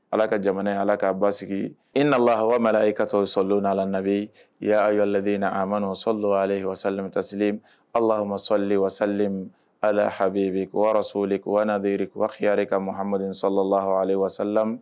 Ala ka jamana in Ala k ka basigi